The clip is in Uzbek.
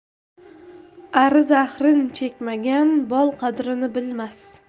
ari zahrin chekmagan bol qadrini bilmas